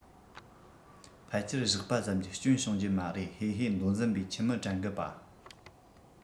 ཕལ ཆེལ བཞག པ ཙམ གྱིས སྐྱོན བྱུང རྒྱུ མ རེད ཧེ ཧེ མདོ འཛིན པས ཁྱིམ མི དྲན གི པཱ